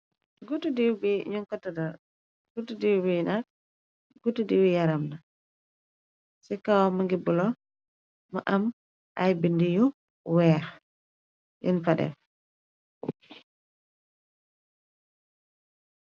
Guttu diw bi nung ko tëddal, guttu diw bi nak, guttu diw yaram la, ci kawam mungi bulo, mu am ay bindi yu weeh yung fa def.